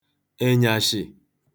ènyàshị̀